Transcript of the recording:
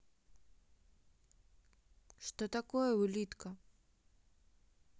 что такое улитка